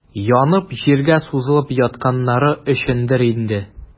Янып, җиргә сузылып ятканнары өчендер инде.